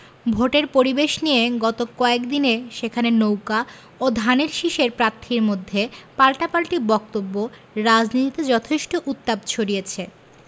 ভোটের পরিবেশ নিয়ে গত কয়েক দিনে সেখানে নৌকা ও ধানের শীষের প্রার্থীর মধ্যে পাল্টাপাল্টি বক্তব্য রাজনীতিতে যথেষ্ট উত্তাপ ছড়িয়েছে